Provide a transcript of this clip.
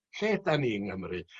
Lle ydan ni yng Nghymru?